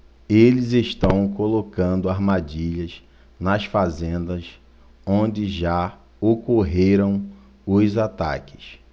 eles estão colocando armadilhas nas fazendas onde já ocorreram os ataques